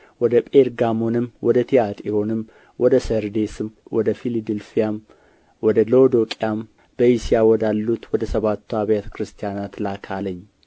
ወደ ጴርጋሞንም ወደ ትያጥሮንም ወደ ሰርዴስም ወደ ፊልድልፍያም ወደ ሎዶቅያም በእስያ ወዳሉት ወደ ሰባቱ አብያተ ክርስቲያናት ላክ አለኝ